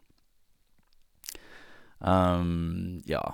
Ja.